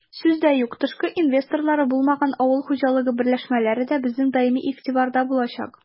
Сүз дә юк, тышкы инвесторлары булмаган авыл хуҗалыгы берләшмәләре дә безнең даими игътибарда булачак.